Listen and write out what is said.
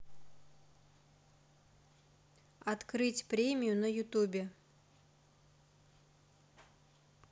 открыть премию на ютубе